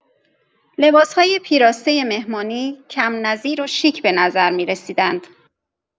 لباس‌های پیراسته مهمانی، کم‌نظیر و شیک به نظر می‌رسیدند.